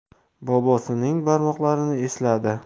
bobosining barmoqlarini esladi